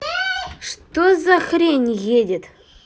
что за хрень едет